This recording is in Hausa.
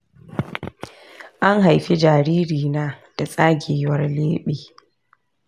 an haifi jariri na da tsagewar leɓe .